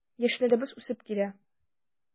Яшьләребез үсеп килә.